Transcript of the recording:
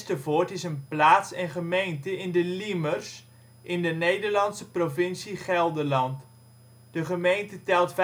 info / uitleg)) is een plaats en gemeente in De Liemers, in de Nederlandse provincie Gelderland. De gemeente telt